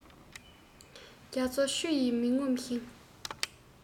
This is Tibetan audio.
རྒྱ མཚོ ཆུ ཡིས མི ངོམས ཤིང